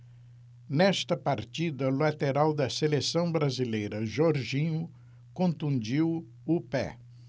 nesta partida o lateral da seleção brasileira jorginho contundiu o pé